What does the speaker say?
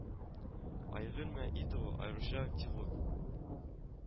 Айгөл Мә итова аеруча активлык